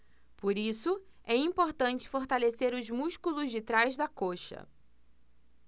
por isso é importante fortalecer os músculos de trás da coxa